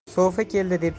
so'fi keldi deb